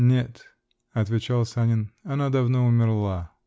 -- Нет, -- отвечал Санин, -- она давно умерла.